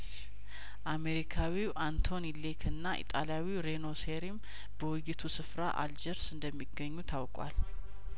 አሜሪካዊው አንቶኒ ሌክና ኢጣሊያዊው ሪኖ ሴሪም በውይይቱ ስፍራ አልጀርስ እንደሚገኙ ታውቋል